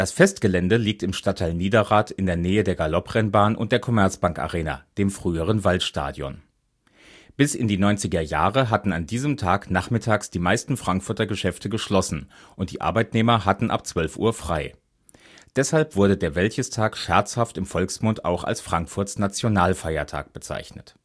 Festgelände liegt im Stadtteil Niederrad in der Nähe der Galopprennbahn und der Commerzbank-Arena (Waldstadion). Bis in die neunziger Jahre hatten an diesem Tag nachmittags die meisten Frankfurter Geschäfte geschlossen, und die Arbeitnehmer hatten ab 12 Uhr frei. Deshalb wurde der Wäldchestag scherzhaft im Volksmund auch als Frankfurts Nationalfeiertag bezeichnet